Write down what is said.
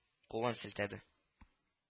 Кулын селтәде